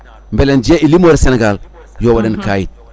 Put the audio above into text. beele en jeeye e limore Sénégal yo waɗane kayit